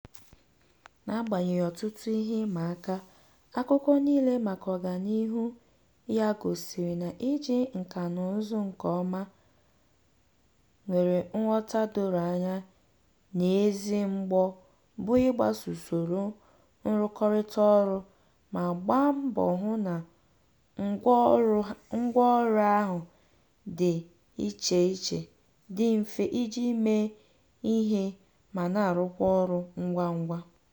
N'agbanyeghi ọtụtụ ihe ịmaaka, akụkọ niile maka ọganihu ya gosiri na iji nkanụzụ nke ọma maka ghọta doro anya na ezi mgbọ bụ ịgbaso usoro nrụkọrịta ọrụ, ma gbaa mbọ hụ na ngwaọrụ ahụ dị icheiche dị mfe iji mee ihe ma na-arụkwa ọrụ ngwa ngwa.